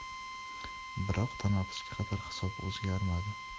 biroq tanaffusga qadar hisob o'zgarmadi